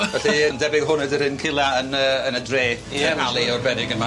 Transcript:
Felly yn debyg hwn ydi'r un cula yn yy yn y dre Ie. arbennig yma.